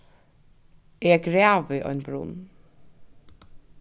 eg gravi ein brunn